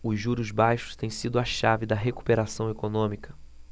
os juros baixos têm sido a chave da recuperação econômica